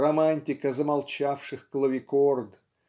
романтика замолчавших клавикорд